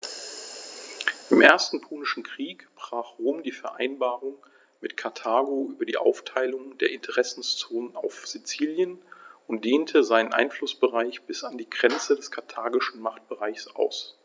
Im Ersten Punischen Krieg brach Rom die Vereinbarung mit Karthago über die Aufteilung der Interessenzonen auf Sizilien und dehnte seinen Einflussbereich bis an die Grenze des karthagischen Machtbereichs aus.